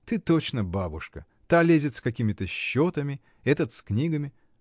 — Ты точно бабушка: та лезет с какими-то счетами, этот с книгами!